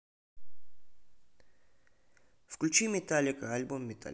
включи металлика альбом металлика